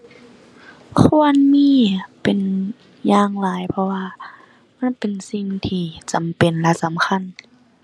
ควรมีเป็นอย่างหลาย เพราะว่ามันเป็นสิ่งที่จำเป็นและสำคัญ